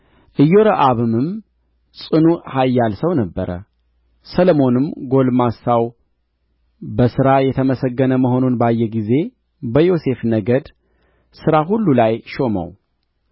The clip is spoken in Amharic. ኢዮርብዓምም ጽኑዕ ኃያል ሰው ነበረ ሰሎሞንም ጕልማሳው በሥራ የተመሰገነ መሆኑን ባየ ጊዜ በዮሴፍ ነገድ ሥራ ሁሉ ላይ ሾመው